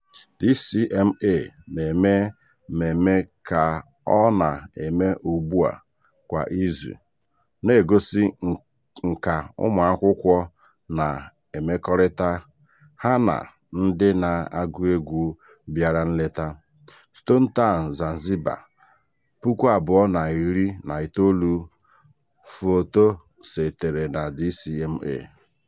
DCMA na-eme mmemme ka ọ na-eme ugbua kwa izu na-egosi nkà ụmụakwụkwọ na mmekorita ha na ndị na-agụ egwu bịara nleta, Stone Town, Zanzibar, 2019. Foto sitere na DCMA.